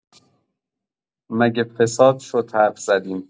مگه فساد شد حرف زدیم؟